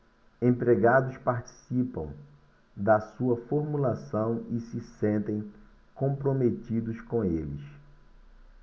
empregados participam da sua formulação e se sentem comprometidos com eles